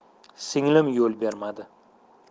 singlim yo'l bermadi